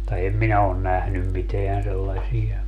mutta en minä ole nähnyt mitään sellaisia